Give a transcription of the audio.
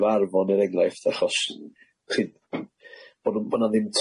efo Arfon er enghraifft achos w'ch chi bo nw'n bo 'na ddim